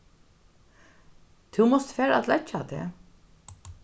tú mást fara at leggja teg